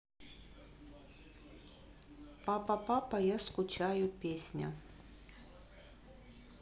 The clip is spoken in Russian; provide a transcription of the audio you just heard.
папа папа я скучаю песня